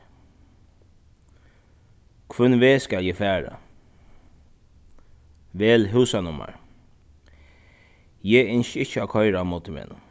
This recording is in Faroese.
hvønn veg skal eg fara vel húsanummar eg ynski ikki at koyra á motorvegnum